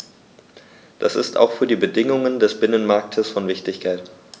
Das ist auch für die Bedingungen des Binnenmarktes von Wichtigkeit.